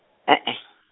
e e .